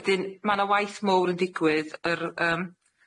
Wedyn ma' 'na waith mowr yn digwydd yr yym